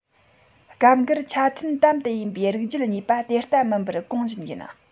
སྐབས འགར ཆ མཐུན དམ དུ ཡིན པའི རིགས རྒྱུད གཉིས པ དེ ལྟ མིན པར གོང བཞིན ཡིན